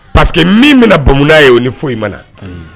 Paseke min bɛna bamam ye o ni foyi ma na